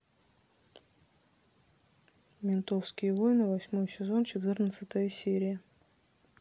ментовские войны восьмой сезон четырнадцатая серия